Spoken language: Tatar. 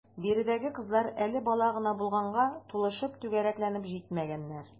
Биредәге кызлар әле бала гына булганга, тулышып, түгәрәкләнеп җитмәгәннәр.